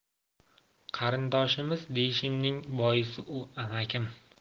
qarindoshimiz deyishimning boisi u amakim